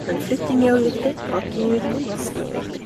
Men flytting er òg viktig, pakking er viktig, vasking er viktig.